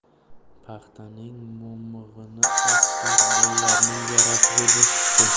paxtaning momig'ini askar bolalarning yarasiga bosishibdi